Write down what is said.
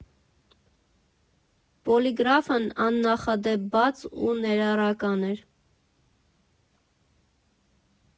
Պոլիգրաֆն աննախադեպ բաց ու ներառական էր։